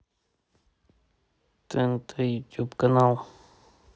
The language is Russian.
тнт на ютуб